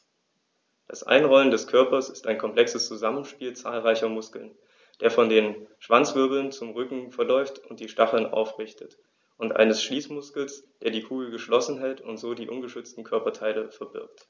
Das Einrollen des Körpers ist ein komplexes Zusammenspiel zahlreicher Muskeln, der von den Schwanzwirbeln zum Rücken verläuft und die Stacheln aufrichtet, und eines Schließmuskels, der die Kugel geschlossen hält und so die ungeschützten Körperteile verbirgt.